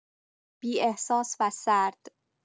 بی‌احساس و سرد